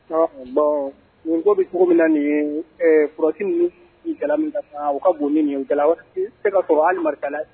Bɔn bɛ cogo min na nin furasi ni ga min dafa u ka bon min ga waati se ka fɔ hali marifa